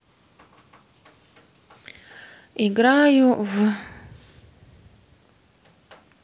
играю в